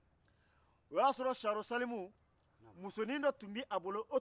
o y'a sɔrɔ musonin dɔ tun bɛ siyanro salimu bolo